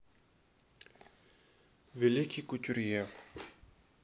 великий кутюрье